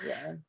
Ie.